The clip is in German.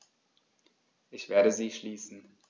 Ich werde sie schließen.